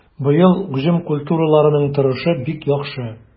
Быел уҗым культураларының торышы бик яхшы.